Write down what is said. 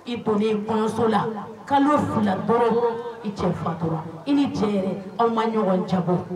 I donne kɔɲɔso la kalo 2 dɔrɔn i cɛ faatura i ni cɛɛ aw ma ɲɔgɔn jabɔ